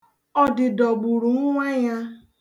Ọdịdọ gburu nnwa ya.